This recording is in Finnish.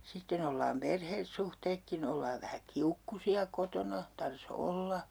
sitten ollaan perhesuhteetkin ollaan vähän kiukkuisia kotona tarvitsisi olla